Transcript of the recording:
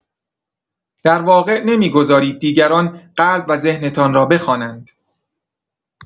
در واقع نمی‌گذارید دیگران قلب و ذهنتان را بخوانند.